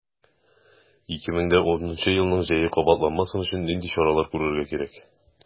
2010 елның җәе кабатланмасын өчен нинди чаралар күрергә кирәк?